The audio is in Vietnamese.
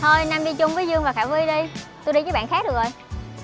thôi nam đi chung với dương và khả vi đi tui đi với bạn khác được rồi